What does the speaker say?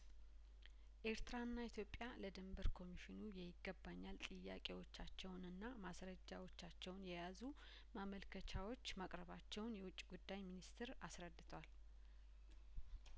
ኤርትራና ኢትዮጵያ ለድንበር ኮሚሽኑ የይገባኛል ጥያቄዎቻቸውንና ማስረጃዎቻቸውን የያዙ ማመልከቻዎች ማቅረባቸውን የውጭ ጉዳይ ሚኒስትር አስረድቷል